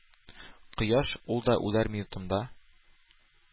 Кояш... ул да үләр минутымда